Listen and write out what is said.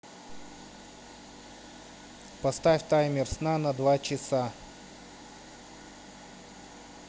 поставь таймер сна на два часа